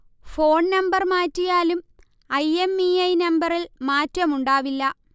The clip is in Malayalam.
ഫോൺ നമ്പർ മാറ്റിയാലും ഐ. എം. ഇ. ഐ. നമ്പറിൽ മാറ്റമുണ്ടാവില്ല